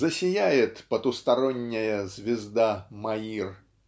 засияет потусторонняя Звезда Маир